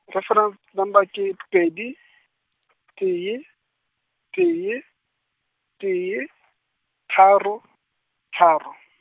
reference number ke , pedi, tee, tee, tee , tharo, tharo.